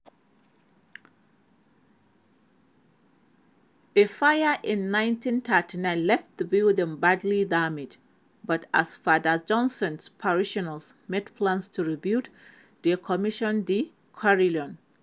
A fire in 1939 left the building badly damaged, but as Father Johnson's parishioners made plans to rebuild, they commissioned the carillon.